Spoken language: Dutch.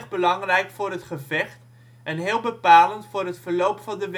belangrijk voor het gevecht en heel bepalend voor het verloop van de